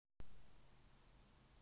мне скоро уходить простите